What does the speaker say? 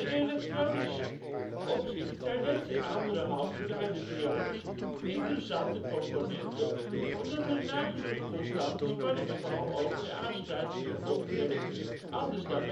elektronisch opzicht zijn leds en andere halfgeleiderdiodes interessante componenten omdat er een nagenoeg constante spanningsval over de aansluitingen optreedt, anders dan